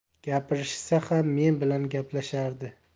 gapirishsa ham men bilan gaplashardi